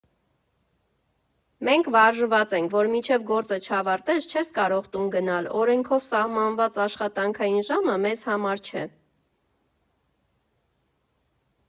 Մենք վարժված ենք, որ մինչև գործը չավարտես, չես կարող տուն գնալ, օրենքով սահմանված աշխատանքային ժամը մեզ համար չէ։